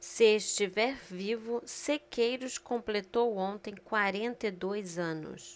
se estiver vivo sequeiros completou ontem quarenta e dois anos